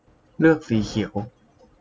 เลือกสีเขียว